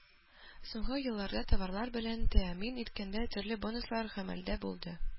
Соңгы елларда товарлар белән тәэмин иткәндә төрле бонуслар гамәлдә булды